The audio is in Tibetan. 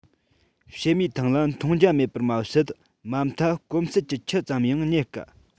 བྱེ མའི ཐང ལ འཐུང ཇ མེད པར མ ཟད མ མཐའ སྐོམ སེལ གྱི ཆུ ཙམ ཡང རྙེད དཀའ